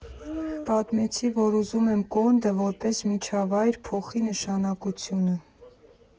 Պատմեցի, որ ուզում եմ Կոնդը, որպես միջավայր, փոխի նշանակությունը։